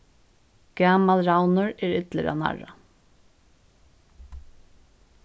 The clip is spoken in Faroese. gamal ravnur er illur at narra